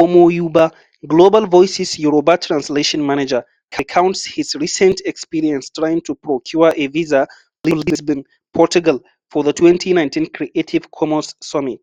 (Ọmọ Yoòbá), Global Voices Yoruba translation manager, recounts his recent experience trying to procure a visa to Lisbon, Portugal, for the 2019 Creative Commons Summit: